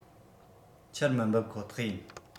ཆར མི འབབ ཁོ ཐག ཡིན